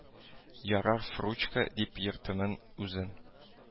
Ярар фручка дип йөртемен үзен